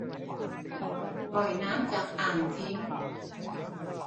ปล่อยน้ำจากอ่างทิ้ง